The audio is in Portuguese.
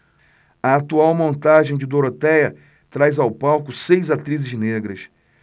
a atual montagem de dorotéia traz ao palco seis atrizes negras